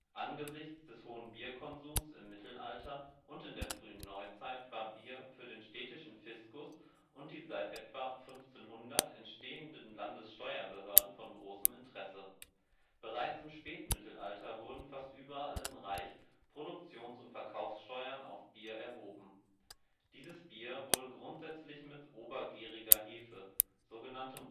Angesichts des hohen Bierkonsums im Mittelalter und in der frühen Neuzeit war Bier für den städtischen Fiskus und die seit etwa 1500 entstehenden Landessteuerbehörden von großem Interesse. Bereits im Spätmittelalter wurden fast überall im Reich Produktions - und Verkaufssteuern auf Bier erhoben. Dieses Bier wurde grundsätzlich mit obergäriger Hefe, sog.